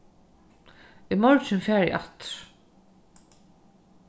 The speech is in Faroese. í morgin fari eg aftur